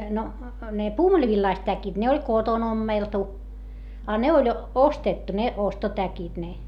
no ne pumpulivillaiset täkit ne oli kotona ommeltu a ne oli ostettu ne ostotäkit ne